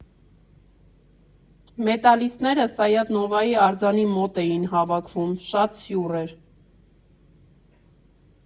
Մետալիստները Սայաթ֊Նովայի արձանի մոտ էին հավաքվում՝ շատ սյուռ էր։